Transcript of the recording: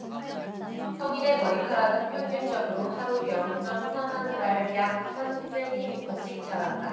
성인의 머리카락은 평균적으로 하루 영 쩜 삼 한 달 약 한 센티미터씩 자란다